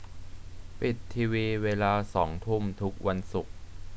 ปิดทีวีเวลาสองทุ่มทุกวันศุกร์